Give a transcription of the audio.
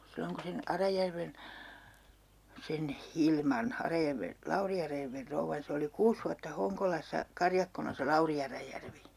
silloin kun sen Arajärven sen Hilman Arajärven Lauri Arajärven rouvan se oli kuusi vuotta Honkolassa karjakkona se Lauri Arajärvi